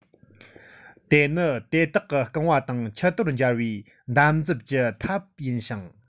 དེ ནི དེ དག གི རྐང བ དང མཆུ ཏོར འབྱར པའི འདམ རྫབ ཀྱི ཐབས ཡིན ཞིང